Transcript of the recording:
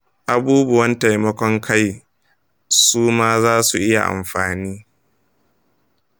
abubuwan taimakon kai su ma za su iya amfani.